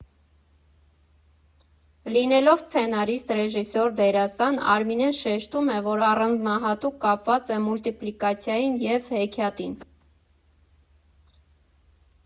Լինելով սցենարիստ, ռեժիսոր, դերասան՝ Արմինեն շեշտում է, որ առանձնահատուկ կապված է մուլտիպլիկացիային և հեքիաթին։